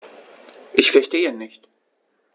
Ich verstehe nicht.